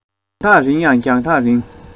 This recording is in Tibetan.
རྒྱང ཐག རིང ཡ རྒྱང ཐག རིང